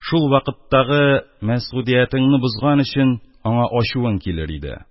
Шул вакыттагы мәсгудиятеңне бозган өчен, аңа ачуың килер иде.